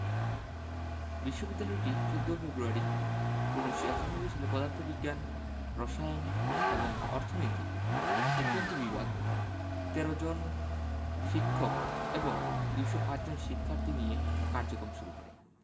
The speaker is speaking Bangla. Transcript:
বিশ্ববিদ্যালয়টি ১৪ ফেব্রুয়ারি ১৯৯১ সালে পদার্থ বিজ্ঞান রসায়ন এবং অর্থনীতি এ তিনটি বিভাগ ১৩ জন শিক্ষক এবং ২০৫ জন শিক্ষার্থী নিয়ে কার্যক্রম শুরু করে